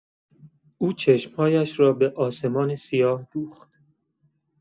او چشم‌هایش را به آسمان سیاه دوخت.